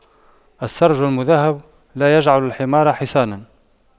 السَّرْج المُذهَّب لا يجعلُ الحمار حصاناً